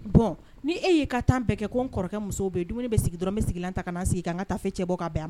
Bɔn ni e y'i ka tan bɛɛ kɛ ko n kɔrɔkɛ muso bɛ dumuni bɛ sigi dɔrɔn min sigilen ta ka na sigi kan n ka taafe cɛ bɔ ka bɛn ma